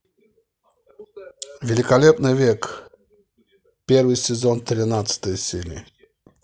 великолепный век первый сезон тринадцатая серия